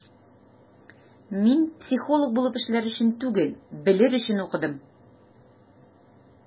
Мин психолог булып эшләр өчен түгел, белер өчен укыдым.